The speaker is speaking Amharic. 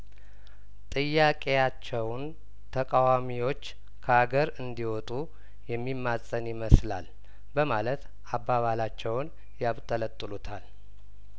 ጥያቄ ያቸውም ተቃዋሚዎች ከአገር እንዲወጡ የሚማጸን ይመስላል በማለት አባባላቸውን ያብጠለጥሉታል